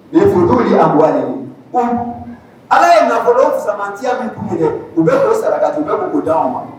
Nin ye furu ala ye nafolo samamantiya min kun kɛ u bɛ to saraka u bɛ k' di anw ma